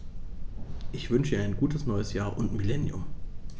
Ich wünsche Ihnen ein gutes neues Jahr und Millennium.